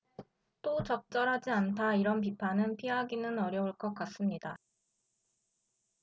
또 적절하지 않다 이런 비판은 피하기는 어려울 것 같습니다